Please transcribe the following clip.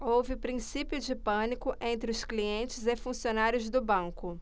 houve princípio de pânico entre os clientes e funcionários do banco